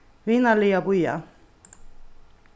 vinarliga bíða